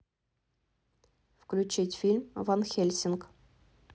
включить фильм ван хельсинг